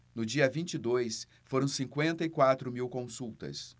no dia vinte e dois foram cinquenta e quatro mil consultas